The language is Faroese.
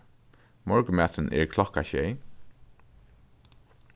morgunmaturin er klokkan sjey